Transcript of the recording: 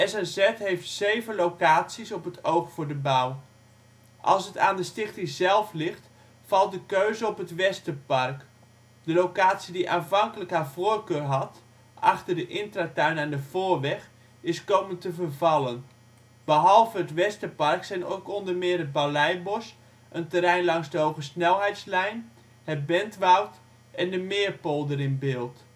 SNZ heeft zeven locaties op het oog voor de bouw. Als het aan de stichting zelf ligt, valt de keuze op het Westerpark. De locatie die aanvankelijk haar voorkeur had, achter Intratuin aan de Voorweg, is komen te vervallen. Behalve het Westerpark zijn ook onder meer het Balijbos, een terrein langs de hogesnelheidslijn (H.S.L.), het Bentwoud en de Meerpolder in beeld